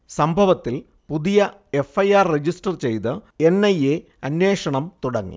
സംഭവത്തിൽ പുതിയ F. I. R. Register ചെയ്ത് എൻ. ഐ. എ. അന്വേഷണം തുടങ്ങി